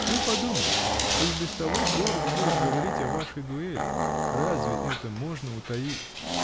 Вы подумайте: уж без того в городе будут говорить о вашей дуэли. разве это можно утаить?